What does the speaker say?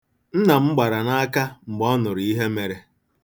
Nna m gbara n'aka mgbe ọ nụrụ ihe mere.